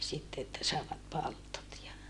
sitten että saivat palttoot ja